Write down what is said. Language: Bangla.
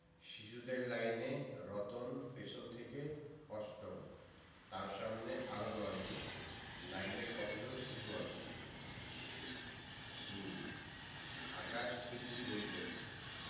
শিশুদের লাইনে রতন পিছন থেকে অষ্টম তার সামনে আরও ৯ জন লাইনে কত জন শিশু আছে ২ আকাশ একটি বই পড়ছে